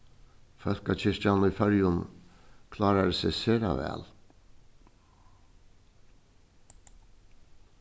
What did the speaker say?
fólkakirkjan í føroyum klárar seg sera væl